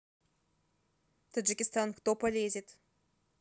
таджикистан кто полезет